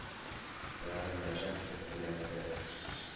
Бәгырьләрем өзгәләнде,